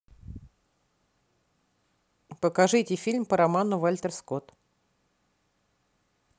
покажите фильм по роману вальтер скотт